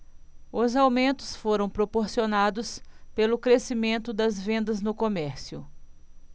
os aumentos foram proporcionados pelo crescimento das vendas no comércio